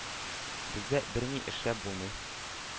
Бездә берни эшләп булмый.